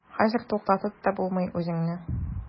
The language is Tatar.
Хәзер туктатып та булмый үзеңне.